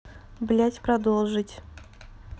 блять продолжить